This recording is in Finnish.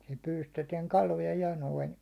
sillä pyydystettiin kaloja ja noin